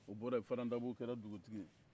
o bɔra yen faran dabo kɛra dugutigi ye